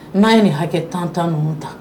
Nan ye nin hakɛ 10 - 10 nunun ta.